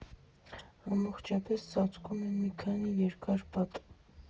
Ամբողջապես ծածկում են մի քանի երկար պատ։